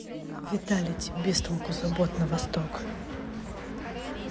vitality бестолку забот на восток